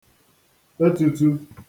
etūtū